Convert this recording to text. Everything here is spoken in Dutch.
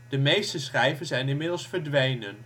De meeste schijven zijn inmiddels verdwenen